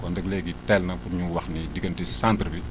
kon nag léegi teel na pour ñu wax ni diggante si centre bi